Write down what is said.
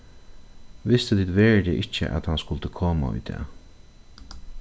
vistu tit veruliga ikki at hann skuldi koma í dag